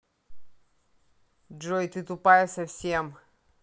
джой ты тупая совсем